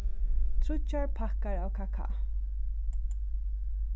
tríggjar pakkar av kakao